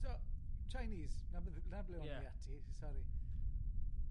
So, Chinese, 'na be- 'na ble o'n i ati, sori.